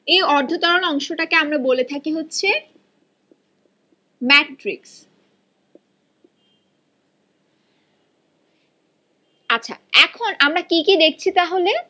এই অর্ধ তরল অংশগুলোকে আমরা বলি হচ্ছে ম্যাট্রিক্স আচ্ছা এখন আমরা কি কি দেখছি তাহলে